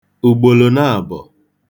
ùgbòlò naàbọ̀